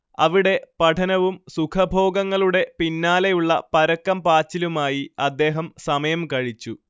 അവിടെ പഠനവും സുഖഭോഗങ്ങളുടെ പിന്നാലെയുള്ള പരക്കം പാച്ചിലുമായി അദ്ദേഹം സമയം കഴിച്ചു